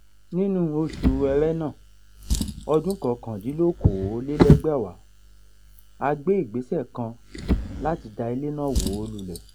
Nínú oṣùu Ẹrẹ́nà ọdún-un 2019, a gbé ìgbésẹ̀ kan láti da ilé náà wó lulẹ̀.